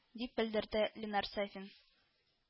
- дип белдерде ленар сафин